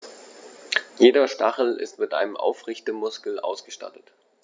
Jeder Stachel ist mit einem Aufrichtemuskel ausgestattet.